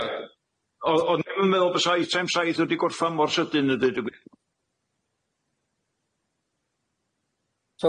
Ia ond o'n i'm yn meddwl bysa eitem saith wedi gorffan mor sydyn a deud y gwir.